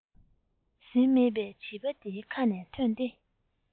ཟིན མེད པའི བྱིས པ འདིའི ཁ ནས ཐོན ཏེ